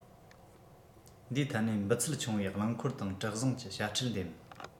འདིའི ཐད ནས འབུད ཚད ཆུང བའི རླངས འཁོར དང གྲུ གཟིངས ཀྱི དཔྱ ཁྲལ འདེམས